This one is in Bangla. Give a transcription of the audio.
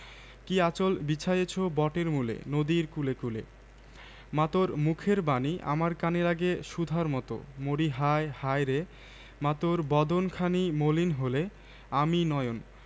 ওমা আমার প্রানে বাজায় বাঁশি সোনার বাংলা আমি তোমায় ভালোবাসি ওমা ফাগুনে তোর আমের বনে ঘ্রাণে পাগল করে মরিহায় হায়রে ওমা ফাগুনে তোর আমের বনে ঘ্রাণে পাগল করে